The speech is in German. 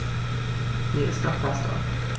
Mir ist nach Pasta.